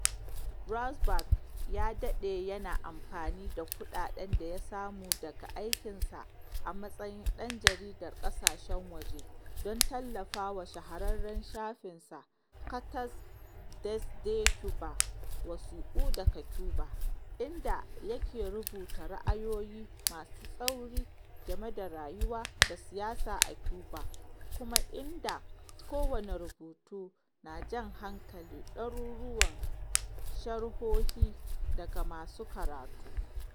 Ravsberg ya daɗe yana amfani da kuɗaɗen da ya samu daga aikinsa a matsayin ɗan jaridar ƙasashen waje don tallafawa shahararren shafinsa “Cartas desde Cuba” (Wasiƙu daga Cuba), inda yake rubuta ra'ayoyi masu tsauri game da rayuwa da siyasa a Cuba, kuma inda kowane rubutun na jan hankalin ɗaruruwan sharhohi daga masu karatu.